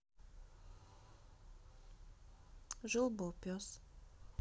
жил был пес